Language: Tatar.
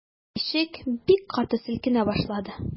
Ишек бик каты селкенә башлады.